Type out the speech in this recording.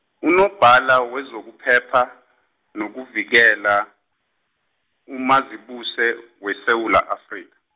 unobhala wezokuphepha, nokuvikela, uMazibuse, weSewula Afrika.